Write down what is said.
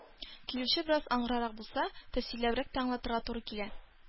Килүче бераз аңгырарак булса, тәфсилләбрәк тә аңлатырга туры килә.